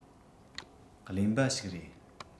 ཀླེན པ ཞིག རེད